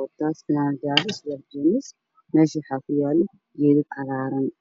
wataa fanaanad jaalo meel ayuu gacanta ku hayaa u kalabaa